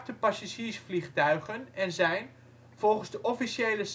passagiersvliegtuigen en zijn, volgens de officiële